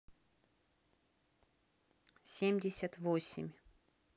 семьдесят восемь